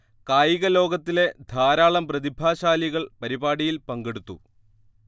കായിക ലോകത്തിലെ ധാരാളം പ്രതിഭാശാലികൾ പരിപാടിയിൽ പങ്കെടുത്തു